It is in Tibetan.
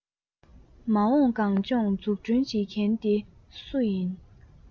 མ འོངས གངས ལྗོངས འཛུགས སྐྲུན བྱེད མཁན དེ སུ ཡིན